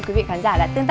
khán giả đã tương